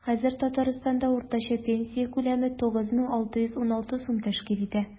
Хәзер Татарстанда уртача пенсия күләме 9616 сум тәшкил итә.